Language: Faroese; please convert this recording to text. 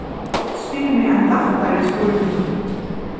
spyr meg ein lættari spurning